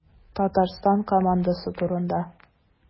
Татарстан командасы турында.